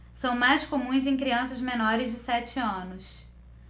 são mais comuns em crianças menores de sete anos